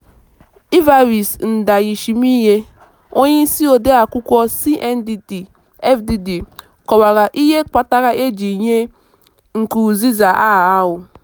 Evariste Ndayishimiye, onyeisi odeakwụkwọ CNDD-FDD kọwara ihe kpatara e jiri nye Nkurunziza aha ahụ: